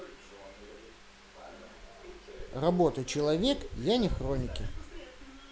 работы человек я не хроники